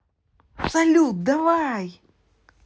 салют давай